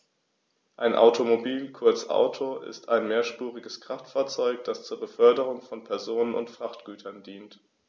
Ein Automobil, kurz Auto, ist ein mehrspuriges Kraftfahrzeug, das zur Beförderung von Personen und Frachtgütern dient.